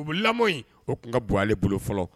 U bɛ lamɔ in o tun ka bɔale bolo fɔlɔ